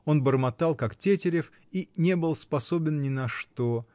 он бормотал, как тетерев, и не был способен ни на что